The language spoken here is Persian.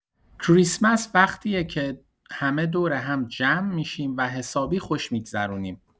کریسمس وقتیه که همه دور هم جمع می‌شیم و حسابی خوش می‌گذرونیم.